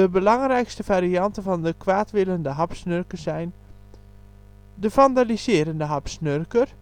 belangrijkste varianten van de kwaadwillende hapsnurker zijn: De vandaliserende hapsnurker